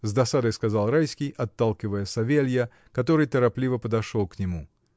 — с досадой сказал Райский, отталкивая Савелья, который торопливо подошел к нему.